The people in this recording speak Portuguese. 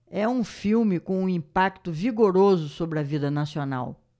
é um filme com um impacto vigoroso sobre a vida nacional